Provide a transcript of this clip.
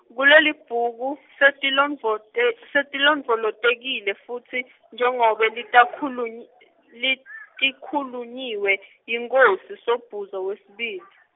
Kulelibhuku, setilondvote- setilondvolotekile futsi, njengobe litakhulunyi- tatikhulunyiwe, yinkhosi Sobhuza, wesibili.